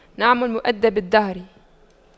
نعم المؤَدِّبُ الدهر